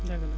dëgg la